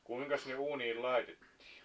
kuinkas ne uuniin laitettiin